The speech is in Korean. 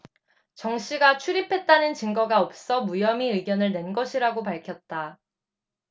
정씨가 출입했다는 증거가 없어 무혐의 의견을 낸 것이라고 밝혔다